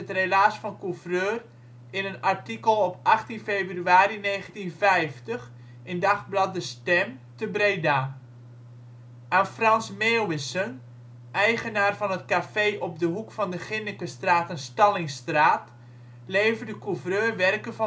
relaas van Couvreur in een artikel op 18 februari 1950 in dagblad De Stem te Breda. Aan Frans Meeuwissen, eigenaar van het café op de hoek van de Ginnekenstraat en Stallingstraat, leverde Couvreur werken